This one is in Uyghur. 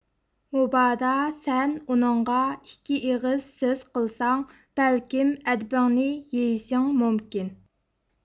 مۇبادا سەن ئۇنىڭغا ئىككى ئېغىز سۆز قىلساڭ بەلكىم ئەدىپىڭنى يېيىشىڭ مۇمكىن